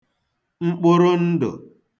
mkpụrụndụ̀